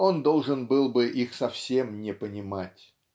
он должен был бы их совсем не понимать.